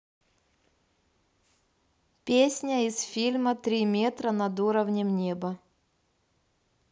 песня из фильма три метра над уровнем неба